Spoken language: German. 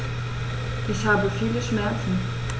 Ich habe viele Schmerzen.